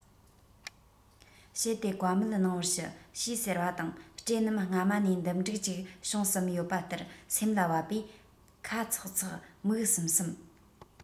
བྱེད དེ བཀའ མོལ གནང བར ཞུ ཞེས ཟེར བ དང སྤྲེའུ རྣམས སྔ མ ནས སྡུམ འགྲིག ཅིག བྱུང བསམ ཡོད པ ལྟར སེམས ལ བབས པས ཁ ཚེག ཚེག མིག ཟུམ ཟུམ